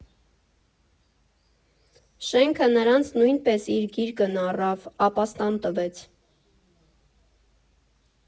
Շենքը նրանց նույնպես իր գիրկն առավ, ապաստան տվեց։